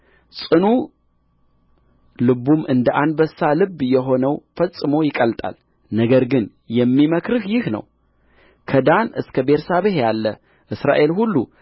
ጽኑዕ ልቡም እንደ አንበሳ ልብ የሆነው ፈጽሞ ይቀልጣል ነገር ግን የምመክርህ ይህ ነው ከዳን እስከ ቤርሳቤህ ያለ እስራኤል ሁሉ